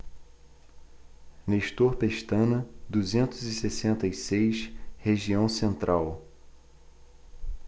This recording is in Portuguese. nestor pestana duzentos e sessenta e seis região central